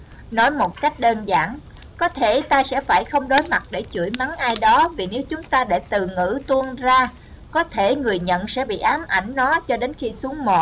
nói một cách đơn giản có thể ta sẽ phải không đối mặt để chửi mắng ai đó vì nếu chúng ta để từ ngữ tuôn ra có thể người nhận sẽ bị ám ảnh nó cho đến khi xuống mồ